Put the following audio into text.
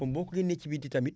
comme boo ko génnee si biti tamit